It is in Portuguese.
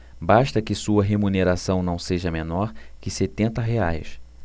basta que sua remuneração não seja menor que setenta reais